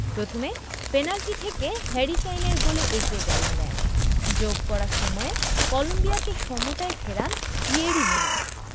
প্রথমে পেনাল্টি থেকে হ্যারি কেইনের গোলে এগিয়ে যায় ইংল্যান্ড যোগ করা সময়ে কলম্বিয়াকে সমতায় ফেরান ইয়েরি মিনা